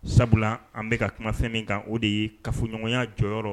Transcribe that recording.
Sabula an bɛka ka kumafɛn min kan o de ye kafoɲɔgɔnya jɔyɔrɔ